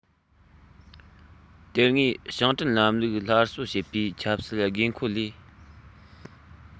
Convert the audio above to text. དེ སྔའི ཞིང བྲན ལམ ལུགས སླར གསོ བྱེད པའི ཆབ སྲིད དགོས མཁོ ལས